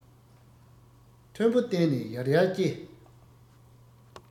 མཐོན པོ བརྟེན ནས ཡར ཡར སྐྱེ